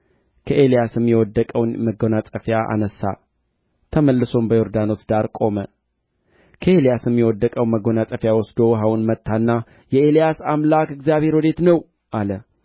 ኤልሳዕም አይቶ አባቴ አባቴ ሆይ የእስራኤል ሰረገላና ፈረሰኞች ብሎ ጮኸ ከዚያም ወዲያ አላየውም ልብሱንም ይዞ ከሁለት ተረተረው